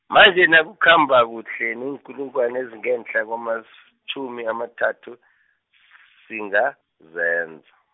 manje nakukhambe kuhle, neenkulungwana ezingehla kwamatjhumi amathathu , singazenza.